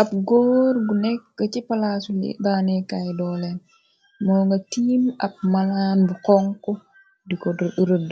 Ab góor gu nekk ci palaasu daaneekaay doole moo nga tiim ab malaan bu xonk diko rëdd